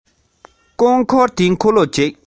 ནག དྲེག ཆགས པ མ ཟད